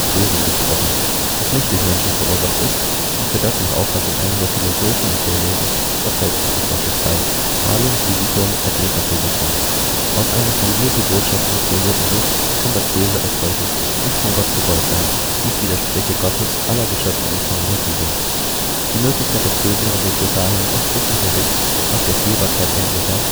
Bösem gesprochen, das nicht durch Menschen verursacht ist und für das nach Auffassung einiger Philosophen und Theologen Gott selbst verantwortlich sei (malum physicum et metaphysicum). Aus einer von Jesu Botschaft inspirierten Sicht kann das Böse als solches nicht von Gott gewollt sein, dies widerspräche Gottes alle Geschöpfe umfangender Liebe. Die Möglichkeit des Bösen resultiert daher aus christlicher Sicht aus der Fehlbarkeit endlicher